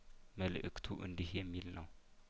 መልእክቱ እንዲህ የሚል ነው